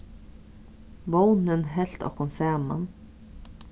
vónin helt okkum saman